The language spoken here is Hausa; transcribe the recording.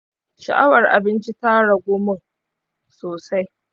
sha'awar abinci ta ragu mun sosai.